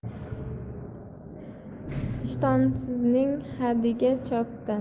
ishtonsizning hadigi cho'pdan